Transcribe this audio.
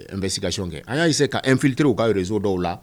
N bɛ skasiɔn kɛ an y'ase kafilitiriw kaa yɛrɛzo dɔw la